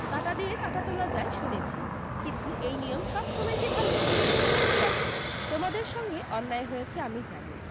কাঁটা দিয়ে কাঁটা তোলা যায় শুনেছি কিন্তু এই নিয়ম সবসময় কী ভাল দেখ তোমাদের সঙ্গে অন্যায় হয়েছে আমি জানি